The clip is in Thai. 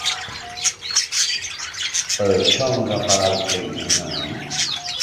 เปิดช่องระบายกลิ่นอาหาร